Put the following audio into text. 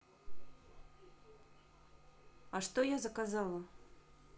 а что я заказала